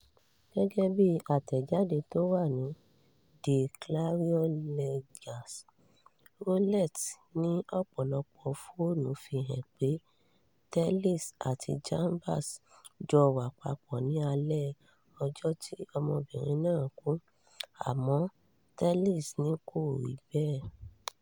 Gẹ́gẹ́ bí àtẹ̀jáde tó wà ní The Clarion Ledger, Rowlett ní ọ̀pọ̀lọpọ̀ fóònù fi hàn pé Tellis àti Chambers jọ wà papọ̀ ní alẹ́ ọjọ́ tí ọmọbìnrin náà kú. Àmọ́ Tellis ní kò rí bẹ́ẹ̀.